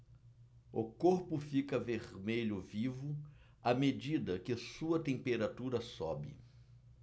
o corpo fica vermelho vivo à medida que sua temperatura sobe